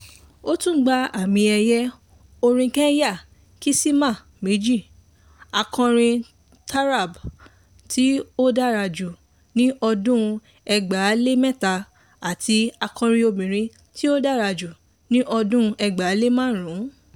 Ó tún gba Àmì-ẹ̀yẹ Orin Kenya Kisima méjì: Akọrin Taraab tí ó Dára jú ti ọdún 2003 àti Akọrin Obìnrin tí ó Dára jú ti ọdún 2005.